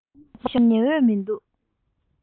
ཞོགས པ ཉི འོད མི འདུག